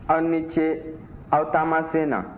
aw ni ce aw taamasen na